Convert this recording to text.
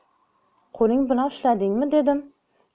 qo'ling bilan ushladingmi dedim